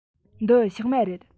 འདི ཕྱགས མ རེད